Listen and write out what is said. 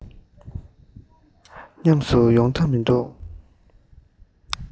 ཉམས སུ མྱོང ཐབས མི འདུག